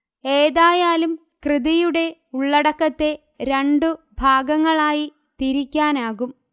ഏതായാലും കൃതിയുടെ ഉള്ളടക്കത്തെ രണ്ടു ഭാഗങ്ങളായി തിരിക്കാനാകും